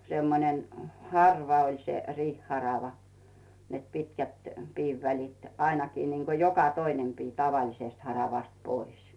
semmoinen harva oli se riihiharava että pitkät piivälit ainakin niin kuin joka toinen pii tavallisesta haravasta pois